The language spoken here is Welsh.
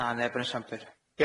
Na neb yn y shambyr.